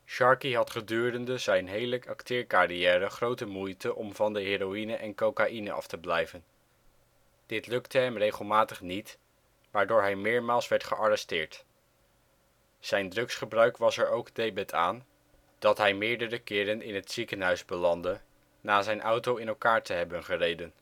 Sharkey had gedurende zijn hele acteercarrière grote moeite om van de heroïne en cocaïne af te blijven. Dit lukte hem regelmatig niet, waardoor hij meermaals werd gearresteerd. Zijn drugsgebruik was er ook debet aan dat hij meerdere keren in het ziekenhuis belandde na zijn auto in elkaar te hebben gereden